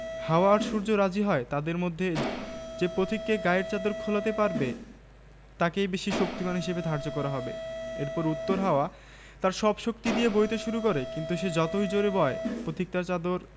তার ফর্সা কান লাল হয়ে উঠছে সে তার জ্যামিতি খাতায় আঁকি ঝুকি করতে লাগলো শেষ পর্যন্ত হঠাৎ উঠে দাড়িয়ে দাদা একটু পানি খেয়ে আসি বলে ছুটতে ছুটতে বেরিয়ে গেল